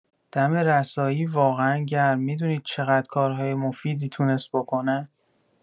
دم رسایی واقعا گرم، می‌دونید چقدر کارهای مفیدی تونست بکنه